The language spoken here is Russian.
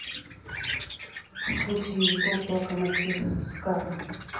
включи ютуб локомотив ска